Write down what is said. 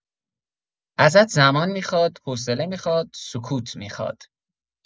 ازت زمان می‌خواد، حوصله می‌خواد، سکوت می‌خواد.